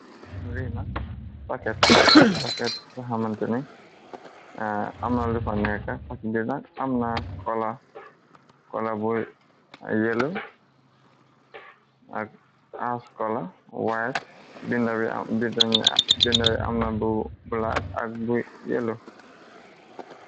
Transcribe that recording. Nako amna kola bu yëlu k aas cola white binda wi amna bu blaage ak bu yëlu.